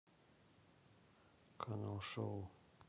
канал шоу